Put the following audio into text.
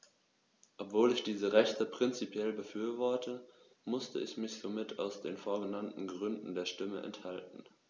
Obwohl ich diese Rechte prinzipiell befürworte, musste ich mich somit aus den vorgenannten Gründen der Stimme enthalten.